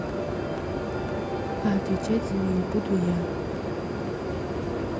а отвечать за нее буду я